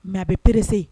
Mɛ a bɛ peerese